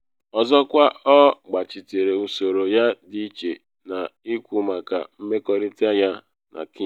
Ọzọkwa ọ gbachitere usoro ya dị iche n’ikwu maka mmerịkọta yana Kim.